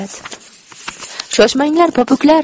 shoshmanglar popuklar